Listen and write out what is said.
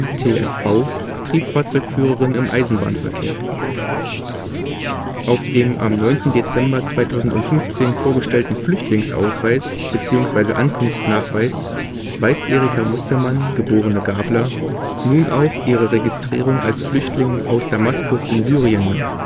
TfV) Triebfahrzeugführerin im Eisenbahnverkehr. Auf dem am 9. Dezember 2015 vorgestellten Flüchtlingsausweis bzw. Ankunftsnachweis weist Erika Mustermann, geb. Gabler, nun auch ihre Registrierung als Flüchtling aus Damaskus (Syrien) nach